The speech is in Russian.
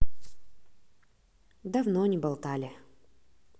давно не болтали